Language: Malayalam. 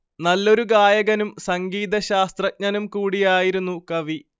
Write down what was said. നല്ലൊരു ഗായകനും സംഗീതശാസ്ത്രജ്ഞനും കൂടിയായിരുന്നു കവി